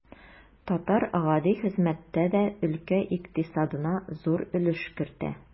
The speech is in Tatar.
Татар гади хезмәттә дә өлкә икътисадына зур өлеш кертә.